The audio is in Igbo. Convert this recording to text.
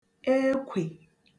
ekwè